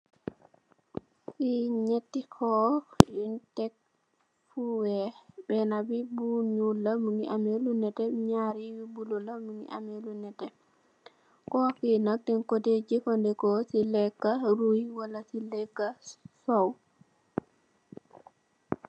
Le neeti kok yun tek fo weex bena bi lu nuul la mongi ame lu netex naari lu bulu la mongi amex lu netex kok yi nak deng ko deh jefendeko pur leka rooy waa leka sow.